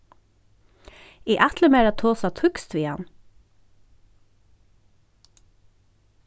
eg ætli mær at tosa týskt við hann